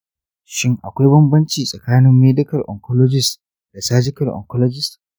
shin akwai bambanci tsakanin medical oncologist da surgical oncologist?